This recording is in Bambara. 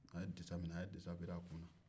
a ye disa minɛ a ye disa biri a kunna